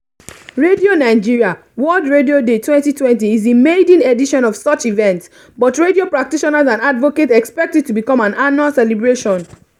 Radio Nigeria World Radio Day 2020 is the maiden edition of such events but radio practitioners and advocates expect it to become an annual celebration.